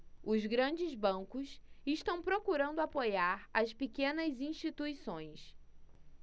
os grandes bancos estão procurando apoiar as pequenas instituições